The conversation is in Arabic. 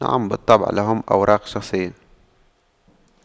نعم بالطبع لهم أوراق شخصية